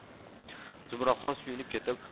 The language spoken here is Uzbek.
zumradxon suyunib ketib